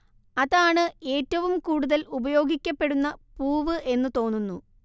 അതാണ് ഏറ്റവും കൂടുതൽ ഉപയോഗിക്കപ്പെടുന്ന പൂവ് എന്നു തോന്നുന്നു